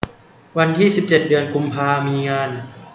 วันที่สิบเจ็ดเดือนกุมภามีงาน